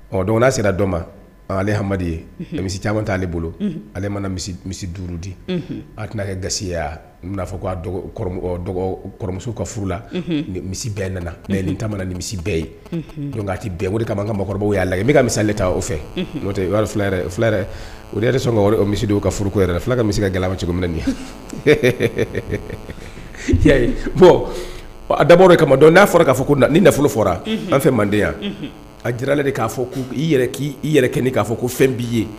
Ɔ dɔnku n'a sera dɔ mama ye misi caman t'ale bolo ale mana misi misi duurudi a tɛna'a kɛ gasiyaa fɔ k'muso ka furu la misi bɛɛ nana ta ni misi bɛɛ ye dɔn ka tɛ bɛn o de kamaan ka mɔgɔkɔrɔbabaww y'a la n bɛ ka misili ta o fɛ o yɛrɛ sɔn misidi u ka furuko fula ka misi se ka ga cɛminɛ nin bɔn dabɔ de kama dɔn n'a fɔra k'a fɔ ko ni nafolo fɔra an fɛ manden yan a jira ale de k'a fɔ k' i k i yɛrɛ kɛ k'a fɔ ko fɛn b'i ye